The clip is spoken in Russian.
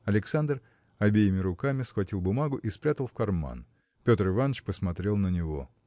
Александр обеими руками схватил бумагу и спрятал в карман. Петр Иваныч посмотрел на него.